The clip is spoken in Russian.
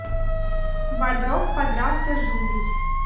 бодров подрался жулей